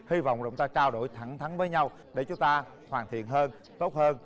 hy vọng là chúng ta trao đổi thẳng thắn với nhau để chúng ta hoàn thiện hơn tốt hơn